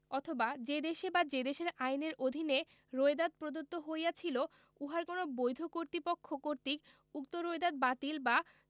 অথবা যে দেশে বা যে দেশের আইনের অধীনে রোয়েদাদ প্রদত্ত হইয়াছিল উহার কোন বৈধ কর্তৃপক্ষ কর্তৃক উক্ত রোয়েদাদ বাতিল বা